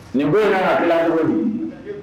Nin bɔra hakili cogo di